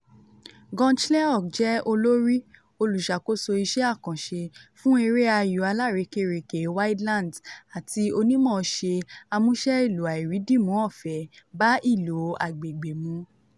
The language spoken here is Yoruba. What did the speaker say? GunChleoc jẹ́ Olórí (olùṣàkóso iṣẹ́ àkànṣe) fún eré ayò alárekérekè Widelands àti onímọ̀ọ́ṣe amúṣẹ́-èlò àìrídìmú ọ̀fẹ́ bá-ìlò-agbègbèmu.